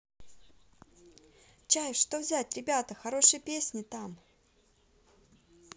чайф что взять ребята хорошие песни там